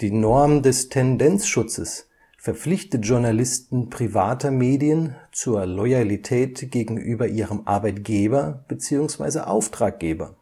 Norm des Tendenzschutzes verpflichtet Journalisten privater Medien zur Loyalität gegenüber ihrem Arbeitgeber bzw. Auftraggeber